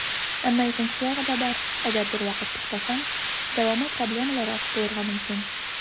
Әмма икенче ягы да бар - әгәр бервакыт туктасаң, дәвамы проблемалырак булырга мөмкин.